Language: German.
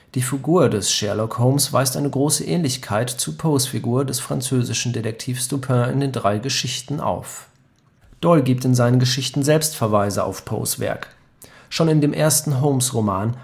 Die Figur des Sherlock Holmes weist eine große Ähnlichkeit zu Poes Figur des französischen Detektivs Dupin in den drei Geschichten auf. Doyle gibt in seinen Geschichten selbst Verweise auf Poes Werk. Schon in dem ersten Holmes-Roman